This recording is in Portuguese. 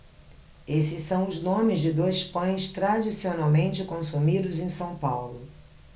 esses são os nomes de dois pães tradicionalmente consumidos em são paulo